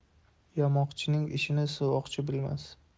yamoqchining ishini suvoqchi bilmas